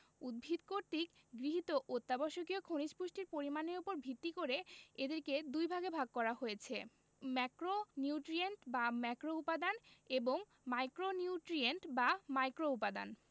উদ্ভিদ কর্তৃক গৃহীত অত্যাবশ্যকীয় খনিজ পুষ্টির পরিমাণের উপর ভিত্তি করে এদেরকে দুইভাগে ভাগ করা হয়েছে ম্যাক্রোনিউট্রিয়েন্ট বা ম্যাক্রোউপাদান এবং মাইক্রোনিউট্রিয়েন্ট বা মাইক্রোউপাদান